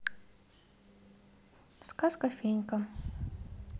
сказка фенька